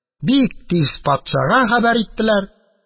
Бик тиз патшага хәбәр иттеләр.